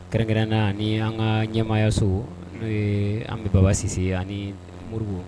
Kɛrɛnkɛrɛn na ni an ka ɲɛmaaya so n'o ye an bi baba sisi ani moribugu